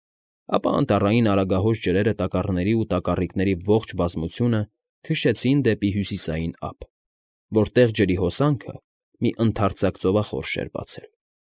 Ապա Անտառային արագահոս ջրերը տակառների ու տակառիկների ողջ բազմությունը քշեցին դեպի հյուսիսային ափ, որտեղ ջրի հոսանքը մի ընդարձակ ծովախորշ էր բացել։